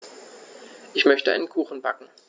Ich möchte einen Kuchen backen.